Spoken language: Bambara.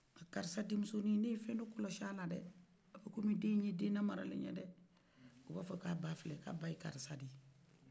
karisa den musoni ne ye fɛ dɔ kɔrɔsi ala a bɛ ekɔm den ye ɲe den lamaralen ye dɛ o bafɔ a ba filɛ k'a ba ye karisa de ye